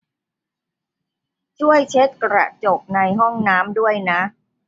ช่วยเช็ดกระจกในห้องน้ำด้วยนะ